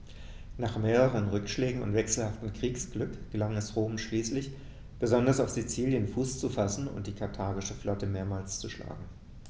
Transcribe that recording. Nach mehreren Rückschlägen und wechselhaftem Kriegsglück gelang es Rom schließlich, besonders auf Sizilien Fuß zu fassen und die karthagische Flotte mehrmals zu schlagen.